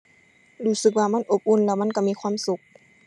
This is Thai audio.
รู้สึกว่ามันอบอุ่นแล้วมันก็มีความสุข